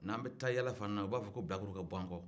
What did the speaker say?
n'an bɛ taa yaala fana u b'a fɔ ko bilakorow ka b'an kɔ